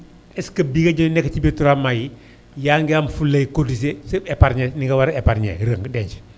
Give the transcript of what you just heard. est ce que bi nga nekkee ci biir 3 mois yi yaa ngi am fulay cotisé sa épargne :gra ak ni nga war a épargné rënd denc